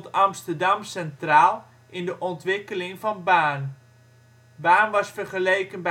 Amsterdam centraal in de ontwikkeling van Baarn. Baarn was vergeleken